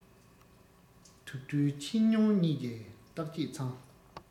དུག སྦྲུལ ཁྱི སྨྱོན གཉིས ཀྱི བརྟག དཔྱད ཚང